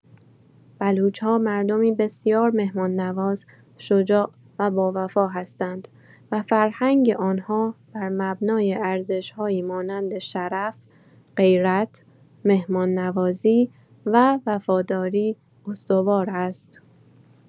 بلوچ‌ها مردمی بسیار مهمان‌نواز، شجاع و باوفا هستند و فرهنگ آن‌ها بر مبنای ارزش‌هایی مانند شرف، غیرت، مهمان‌نوازی و وفاداری استوار است.